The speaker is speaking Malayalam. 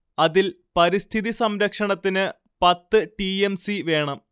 അതിൽ പരിസ്ഥിതിസംരക്ഷണത്തിന് പത്ത് ടി എം സി വേണം